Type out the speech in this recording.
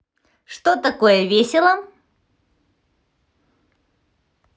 что такое весело